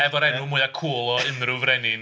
Efo'r enw mwya cŵl o unrhyw frenin.